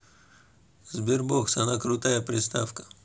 sberbox она крутая приставка